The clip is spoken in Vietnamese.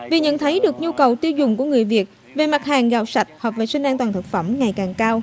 vì nhận thấy được nhu cầu tiêu dùng của người việt về mặt hàng gạo sạch hợp vệ sinh an toàn thực phẩm ngày càng cao